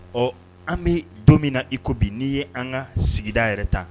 Ɔ, an bɛ don min na i ko bi, n'i ye an ka sigida yɛrɛ ta.